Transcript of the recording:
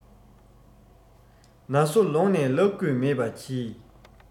ན སོ ལོངས ནས བསླབས དགོས མེད པ གྱིས